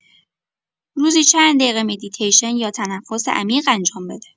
روزی چند دقیقه مدیتیشن یا تنفس عمیق انجام بده.